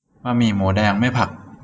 บะหมี่หมูแดงไม่ผัก